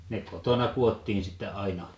ne kotona kudottiin sitten aina